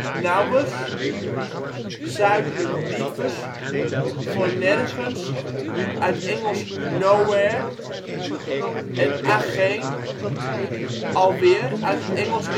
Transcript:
nowers (zuidelijk nievers, voor ' nergens ', uit Engels nowhere) en agèèn (' alweer ', uit Engels